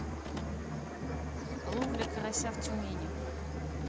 ловля карася в тюмени